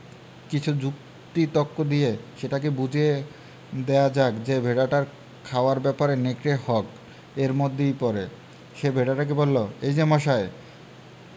কিছু যুক্তি তক্ক দিয়ে সেটাকে বুঝিয়ে দেওয়া যাক যে ভেড়াটাকে খাওয়ার ব্যাপারটা নেকড়ের হক এর মধ্যেই পড়ে সে ভেড়াটাকে বলল এই যে মশাই